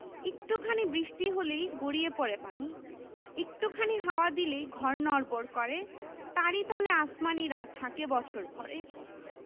একটু খানি বৃষ্টি হলেই গড়িয়ে পড়ে পানি একটু খানি হাওয়া দিলেই ঘর নড়বড় করে তারি তলে আসমানীরা থাকে বছর ভরে